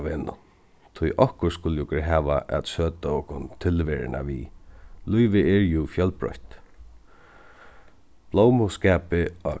av vegnum tí okkurt skulu okur hava at søta okkum tilveruna við lívið er jú fjølbroytt blómuskapið á